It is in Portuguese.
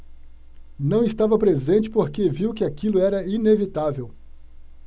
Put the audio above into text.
não estava presente porque viu que aquilo era inevitável